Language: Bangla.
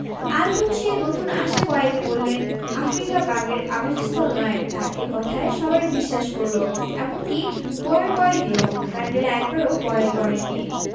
আলবত সেই নতুন আসা কয়েদি বললেন আফ্রিকা বাঘের আবাসস্থল নয় তাঁর এ কথায় সবাই বিশ্বাস করল এমনকি গোঁয়ার কয়েদিও ম্যান্ডেলা একবারও বড়াই করেননি